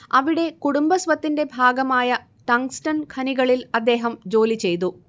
അവിടെ കുടുംബസ്വത്തിന്റെ ഭാഗമായ ടങ്ങ്സ്ടൻ ഖനികളിൽ അദ്ദേഹം ജോലിചെയ്തു